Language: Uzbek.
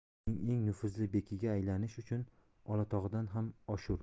uning eng nufuzli bekiga aylanish uchun olatog'dan ham oshur